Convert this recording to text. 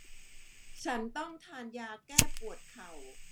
ฉันต้องทานยาแก้ปวดเข่า